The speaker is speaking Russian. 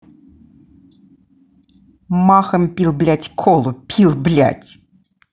махом пил блядь колу пил блядь